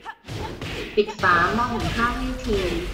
ปิดฝาหม้อหุงข้าวให้ที